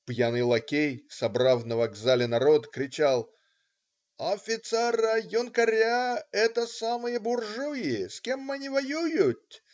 Пьяный лакей, собрав на вокзале народ, кричал: "афицара, юнкаря - это самые буржуи, с кем они воюют?